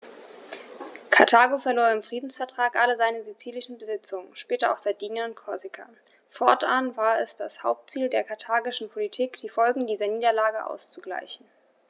Karthago verlor im Friedensvertrag alle seine sizilischen Besitzungen (später auch Sardinien und Korsika); fortan war es das Hauptziel der karthagischen Politik, die Folgen dieser Niederlage auszugleichen.